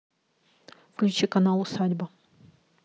включи канал усадьба